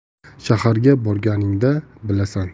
shaharga borganingda bilasan